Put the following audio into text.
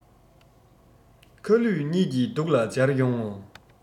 ཁ ལུས གཉིས ཀྱིས སྡུག ལ སྦྱར ཡོང ངོ